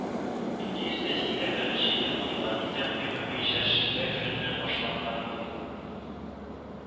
Ике йөз дә сиксән беренче ел милади тәкъвиме буенча шимбә көненнән башланган ел